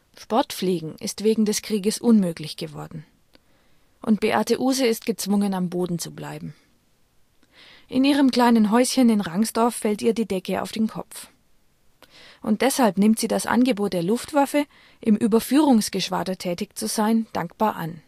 Sportfliegen ist wegen des Krieges unmöglich geworden und Beate Uhse ist gezwungen, am Boden zu bleiben. In ihrem kleinen Häuschen in Rangsdorf fällt ihr die Decke auf den Kopf und deshalb nimmt sie das Angebot der Luftwaffe, im Überführungsgeschwader tätig zu sein, dankbar an